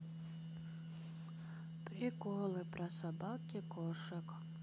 приколы про собак и кошек